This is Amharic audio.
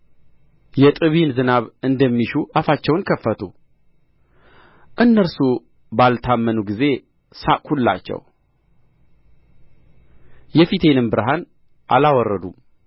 የጥቢን ዝናብ እንደሚሹ አፋቸውን ከፈቱ እነርሱ ባልታመኑ ጊዜ ሳቅሁላቸው የፊቴንም ብርሃን አላወረዱም